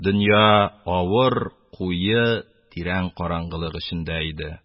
Дөнья авыр, куе тирән караңгылык эчендә иде